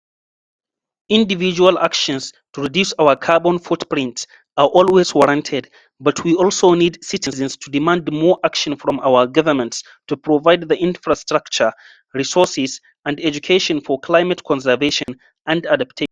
Individual actions to reduce our carbon footprintare are always warranted but we also need citizens to demand more action from our governments to provide the infrastructure, resources and education for climate conservation and adaptation.